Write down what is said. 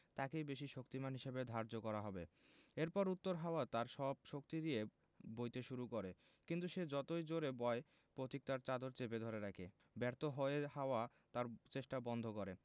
তাকেই বেশি শক্তিমান হিসেবে ধার্য করা হবে এরপর উত্তর হাওয়া তার সব শক্তি দিয়ে বইতে শুরু করে কিন্তু সে যতই জোড়ে বয় পথিক তার চাদর চেপে ধরে রাখে ব্যর্থ হয়ে হাওয়া তার চেষ্টা বন্ধ করে